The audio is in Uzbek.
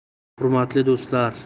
hurmatli do'stlar